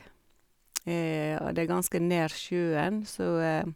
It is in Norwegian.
Og det er ganske nær sjøen, så...